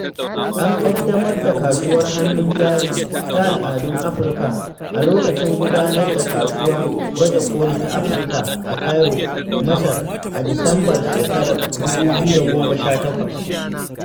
An ƙaddamar da Kasuwar Hannun Jari ta al'adun Afirka a lokacin gudanar da kasuwar baje koli ta Afirka a Cairo, Masar a Disambar shekarar 2018.